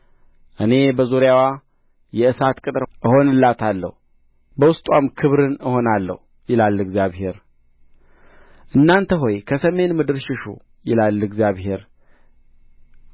እኔ በዙሪያዋ የእሳት ቅጥር እሆንላታለሁ በውስጥዋም ክብርን እሆናለሁ ይላል እግዚአብሔር እናንተ ሆይ ከሰሜን ምድር ሽሹ ይላል እግዚአብሔር